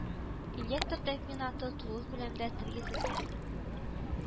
Электр тәэминаты тулы күләмдә тергезелгән